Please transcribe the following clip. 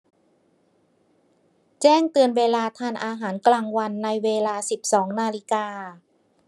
แจ้งเตือนเวลาทานอาหารกลางวันในเวลาสิบสองนาฬิกา